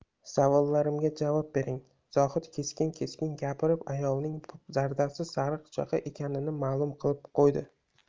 savollarimga javob bering zohid keskin keskin gapirib ayolning zardasi sariq chaqa ekanini ma'lum qilib qo'ydi